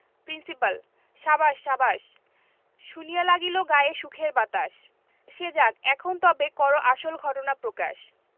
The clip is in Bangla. প্রিন্সিপাল সাবাস সাবাস শুনিয়া লাগিল গায়ে সুখের বাতাস সে যাক এখন তবে করো আসল ঘটনা প্রকাশ